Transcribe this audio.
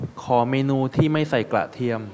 ขอเมนูที่ไม่ใส่กระเทียม